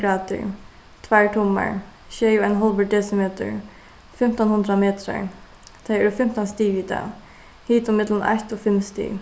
gradir tveir tummar sjey og ein hálvur desimetur fimtan hundrað metrar tað eru fimtan stig í dag hitin millum eitt og fimm stig